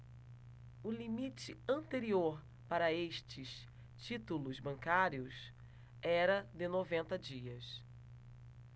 o limite anterior para estes títulos bancários era de noventa dias